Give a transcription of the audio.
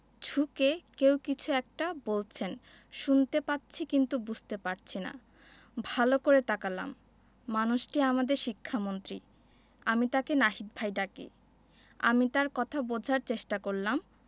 ঝুঁকে কেউ কিছু একটা বলছেন শুনতে পাচ্ছি কিন্তু বুঝতে পারছি না ভালো করে তাকালাম মানুষটি আমাদের শিক্ষামন্ত্রী আমি তাকে নাহিদ ভাই ডাকি আমি তার কথা বোঝার চেষ্টা করলাম